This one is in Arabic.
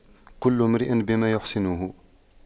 كل امرئ بما يحسنه